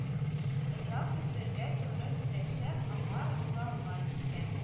Озак көтәргә туры киләчәк аңар уралга китәм